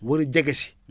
war a jege si